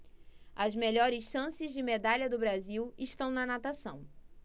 as melhores chances de medalha do brasil estão na natação